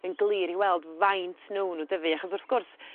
yn glir i weld faint newn n'w dyfu achos wrth gwrs